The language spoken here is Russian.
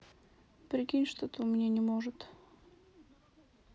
прикинь что то у меня не может